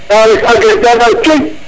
*